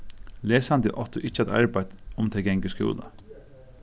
lesandi áttu ikki at arbeitt um tey ganga í skúla